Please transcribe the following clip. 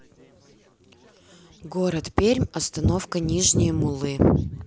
город пермь остановка нижние муллы